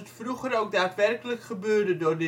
vroeger ook daadwerkelijk gebeurde door